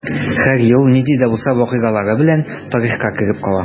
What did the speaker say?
Һәр ел нинди дә булса вакыйгалары белән тарихка кереп кала.